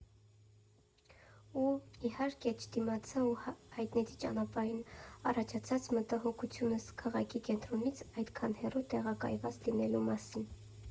Ու, իհարկե, չդիմացա ու հայտնեցի ճանապարհին առաջացած մտահոգությունս՝ քաղաքի կենտրոնից այդքան հեռու տեղակայված լինելու մասին։